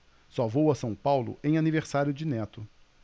só vou a são paulo em aniversário de neto